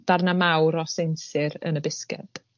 darna mawr o sinsir yn y bisged.